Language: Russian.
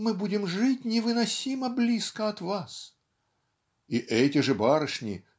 "мы будем жить невыносимо близко от вас" и эти же барышни